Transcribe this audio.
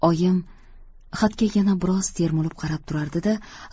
oyim xatga yana biroz termilib qarab turardi da